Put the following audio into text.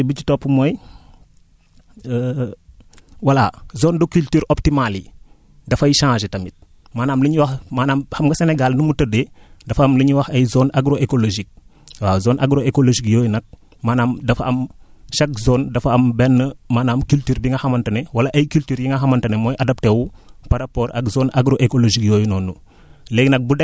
beneen aspect bi ci topp mooy voilà zone de culture optimale yi dafay changer tamit maanam lu ñuy wax maanaam xam nga Sénégal nu mu tëddee dafa am lu ñuy wax ay zones agro écologique waaw zone agro écologique yooyu nag maanaam dafa am chaque zone dafa am benn maanaam culture bi nga xamante ne wala ay cultures yi nga xamante ne mooy adapté wu par rapport ak zone agro écologique yooyu noonu